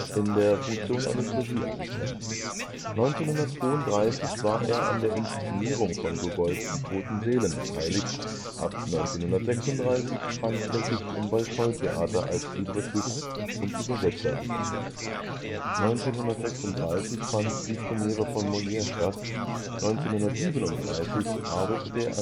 in der Funktion eines Regie-Assistenten. 1932 war er an der Inszenierung von Gogols Die toten Seelen beteiligt. Ab 1936 fand er sich im Bolschoi-Theater als Librettist und Übersetzer wieder. Grab Bulgakows in Moskau 1936 fand die Premiere von Molière statt. 1937 arbeitete